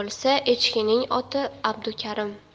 echkining oti abdukarim